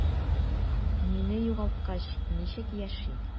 Мине югалткач, ничек яши?